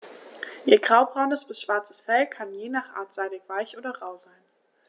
Ihr graubraunes bis schwarzes Fell kann je nach Art seidig-weich oder rau sein.